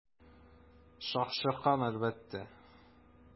Шакшы кан, әлбәттә.